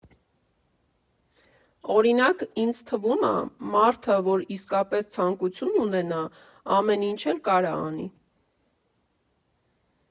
Օրինակ, ինձ թվում ա՝ մարդ, որ իսկապես ցանկություն ունենա, ամեն ինչ էլ կարա անի։